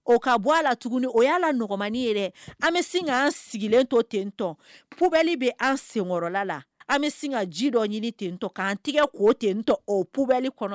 O ka bɔ a la tuguni o y yala la n nɔgɔmain yɛrɛ an bɛ sin anan sigilen to tentɔ pb bɛ an senkɔrɔla la an bɛ sin ka ji dɔ ɲini tentɔ k'an tɛgɛ' o ten tɔ o pɛli kɔnɔ